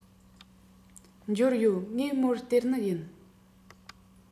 འབྱོར ཡོད ངས མོར སྟེར ནི ཡིན